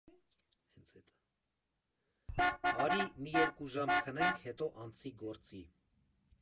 Արի մի երկու ժամ քնենք, հետո անցի գործի։